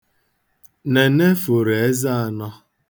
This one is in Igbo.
Nene foro eze anọ.